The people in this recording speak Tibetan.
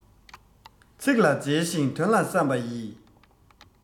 ཚིག ལ མཇལ ཞིང དོན ལ བསམ པ ཡིས